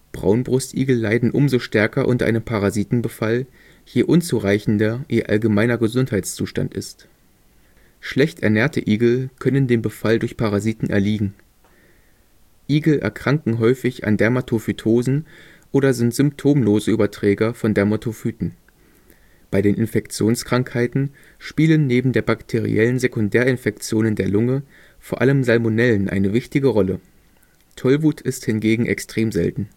Braunbrustigel leiden umso stärker unter einem Parasitenbefall, je unzureichender ihr allgemeiner Gesundheitszustand ist. Schlecht ernährte Igel können dem Befall durch Parasiten erliegen. Igel erkranken häufig an Dermatophytosen oder sind symptomlose Überträger von Dermatophyten. Bei den Infektionskrankheiten spielen neben den bakteriellen Sekundärinfektionen der Lunge vor allem Salmonellen eine wichtige Rolle. Tollwut ist hingegen extrem selten